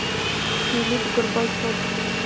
филипп горбачев